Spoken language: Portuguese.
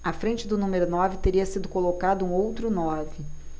à frente do número nove teria sido colocado um outro nove